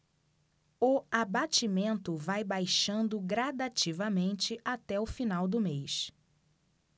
o abatimento vai baixando gradativamente até o final do mês